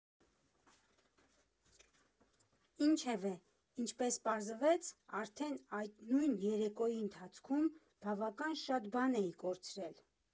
Ինչևէ, ինչպես պարզվեց արդեն այդ նույն երեկոյի ընթացքում, բավական շատ բան էի կորցրել։